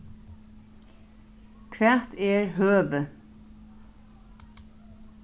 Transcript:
hvat er høvið